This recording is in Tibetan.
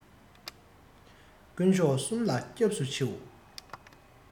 ཀུན མཆོག གསུམ ལ སྐྱབས སུ འཆིའོ